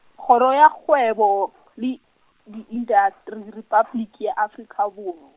Kgoro ya Kgwebo , le, di Intasteri, Repabliki ya Afrika Borw-.